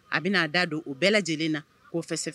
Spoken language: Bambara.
A bin'a da don o bɛɛ lajɛlen na ko fɛsɛf